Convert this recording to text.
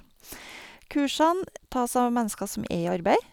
Kursene tas av mennesker som er i arbeid.